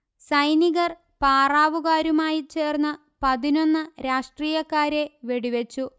സൈനികർ പാറാവുകാരുമായി ചേർന്ന് പതിനൊന്ന് രാഷ്ട്രീയക്കാരെ വെടിവെച്ചു